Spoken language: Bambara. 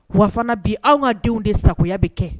Wa fana bi an ka denw de sagoya bɛ kɛ